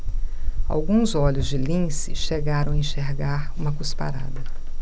alguns olhos de lince chegaram a enxergar uma cusparada